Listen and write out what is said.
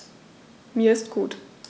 Mir ist gut.